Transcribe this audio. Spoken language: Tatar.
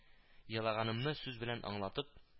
Елаганымны сүз белән аңлатып